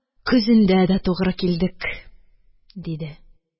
Көзендә дә тугры килдек, – диде.